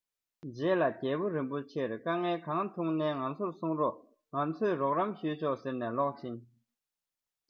རྗེས ལ རྒྱལ པོ རིན པོ ཆེར དཀའ ངལ གང ཐུག ནའི ང ཚོར གསུང རོགས ང ཚོས རོགས རམ ཞུས ཆོག ཟེར ནས ལོག ཕྱིན